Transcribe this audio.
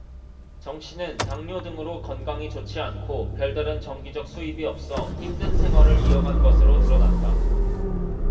정씨는 당뇨 등으로 건강이 좋지 않고 별다른 정기적 수입이 없어 힘든 생활을 이어간 것으로 드러났다